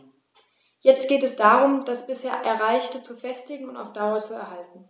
Jetzt geht es darum, das bisher Erreichte zu festigen und auf Dauer zu erhalten.